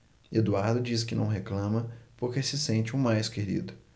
eduardo diz que não reclama porque se sente o mais querido